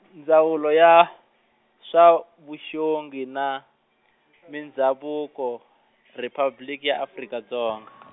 Ndzawulo ya, swa Vuxongi na, Mindhavuko Riphabliki ya Afrika Dzonga.